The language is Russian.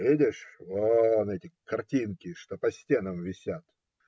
- Видишь вон эти картинки, что по стенам висят?